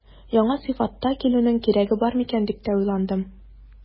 Яңа сыйфатта килүнең кирәге бар микән дип тә уйландым.